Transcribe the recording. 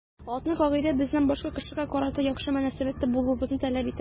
Алтын кагыйдә бездән башка кешегә карата яхшы мөнәсәбәттә булуыбызны таләп итә.